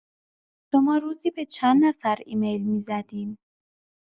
شما روزی به چند نفر ایمیل می‌زدین؟